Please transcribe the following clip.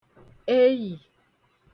eyì